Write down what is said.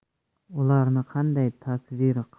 ularni qanday tasvir